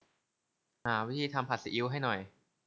หาวิธีทำผัดซีอิ๊วให้หน่อย